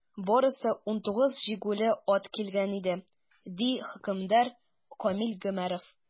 Барысы 19 җигүле ат килгән иде, - ди хөкемдар Камил Гомәров.